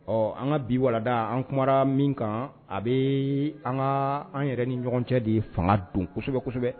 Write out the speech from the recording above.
Ɔ an ka bi warada an kumara min kan a bɛ an ka an yɛrɛ ni ɲɔgɔn cɛ de ye fanga don kosɛbɛ kosɛbɛ